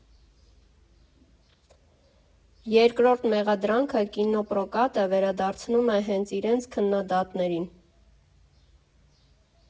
Երկրորդ մեղադրանքը կինոպրոկատը վերադարձնում է հենց իրենց՝ քննադատներին։